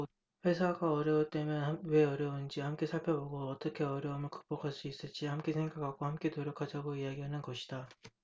회사가 어려울 때면 왜 어려운지 함께 살펴보고 어떻게 어려움을 극복할 수 있을지 함께 생각하고 함께 노력하자고 이야기하는 것이다